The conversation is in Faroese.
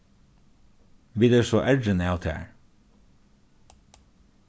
vit eru so errin av tær